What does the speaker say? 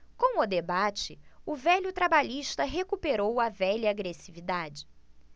com o debate o velho trabalhista recuperou a velha agressividade